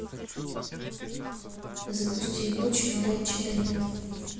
запусти игру чемоданчик да нет